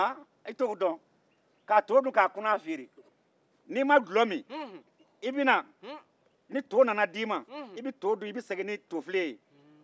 ni ma dulɔ min ni to nana di i ma i bɛ to dun ka segin ni tofilen ye